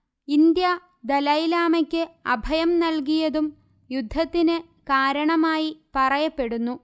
India ദലൈലാമക്ക് അഭയം നൽകിയതും യുദ്ധത്തിന് കാരണമായി പറയപ്പെടുന്നു